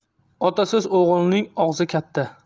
otasiz o'g'ilning og'zi katta